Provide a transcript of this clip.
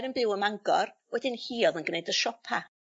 yn byw ym Mangor, wedyn hi o'dd yn gneud y siopa.